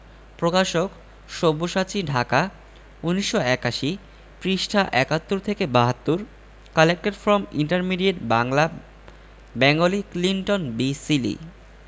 প্রকাশকঃ সব্যসাচী ঢাকা ১৯৮১ পৃষ্ঠাঃ ৭১ থেকে ৭২ collected from intermediate Bangla Bengali Clinton B Seely